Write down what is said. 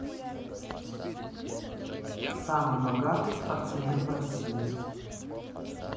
самый богатый спортсмен в россии